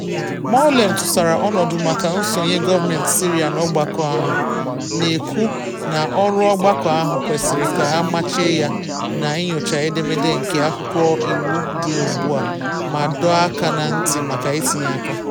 Moualem tụsara ọnọdụ maka nsonye gọọmentị Syria n’ọgbakọ ahụ, na ekwu na ọrụ ọgbakọ ahụ kwesịrị ka amachie ya na “inyocha edemede nke akwụkwọ iwu dị ugbu a,” ma dọọ aka na ntị maka itinye aka.